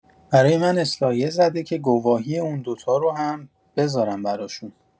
برای من اصلاحیه زده که گواهی اون دوتا رو هم بذارم براشون.